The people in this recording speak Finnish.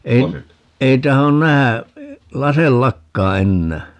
en ei tahdo nähdä laseillakaan enää